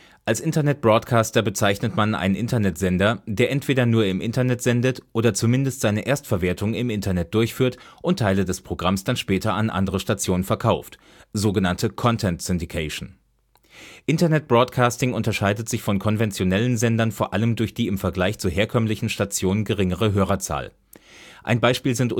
Als Internet-Broadcaster (englisch internet broadcaster) bezeichnet man einen Internet -„ Sender “, der entweder nur im Internet sendet oder zumindest seine Erstverwertung im Internet durchführt und Teile des Programms dann später an andere Stationen verkauft (Content-Syndication). Internet-Broadcasting (englisch internet broadcasting) unterscheidet sich von konventionellen Sendern vor allem durch die im Vergleich zu herkömmlichen Stationen geringere Hörerzahl. Ein Beispiel sind